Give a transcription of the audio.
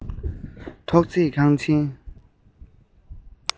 ཐོག བརྩེགས ཁང ཆེན